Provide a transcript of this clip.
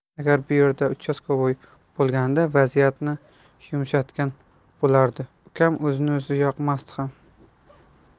agar bu yerda 'uchastkavoy' bo'lganida vaziyatni yumshatgan bo'lardi ukam o'zini o'zi yoqmasdi ham